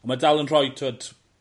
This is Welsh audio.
ond ma' dal yn rhoid t'wod